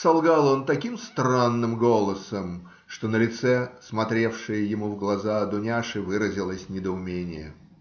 - солгал он таким странным голосом, что на лице смотревшей ему в глаза Дуняши выразилось недоумение.